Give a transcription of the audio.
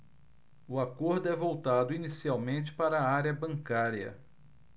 o acordo é voltado inicialmente para a área bancária